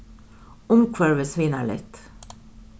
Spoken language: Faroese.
umhvørvisvinarligt